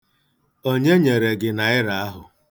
Onye nyere gị Naịra ahụ?